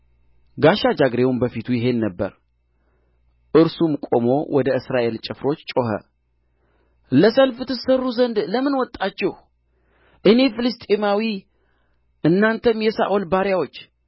ጋሻ ጃግሬውም በፊቱ ይሄድ ነበር እርሱም ቆሞ ወደ እስራኤል ጭፍሮች ጮኸ ለሰልፍ ትሠሩ ዘንድ ለምን ወጣችሁ እኔ ፍልስጥኤማዊ እናንተም የሳኦል ባሪያዎች